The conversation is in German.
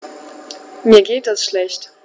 Mir geht es schlecht.